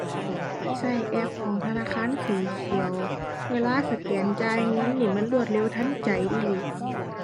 ใช้แอปของธนาคารสีเขียว เวลาสแกนจ่ายเงินนี่มันรวดเร็วทันใจอีหลี